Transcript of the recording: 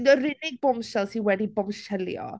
Yr unig bombshell sydd wedi bomsielio...